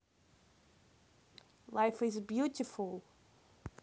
life is beautiful